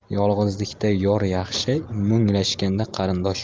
yolg'izlikda yor yaxshi munglashganda qarindosh